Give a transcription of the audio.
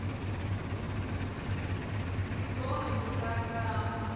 приколы инстаграм